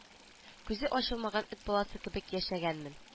Күзе ачылмаган эт баласы кебек яшәгәнмен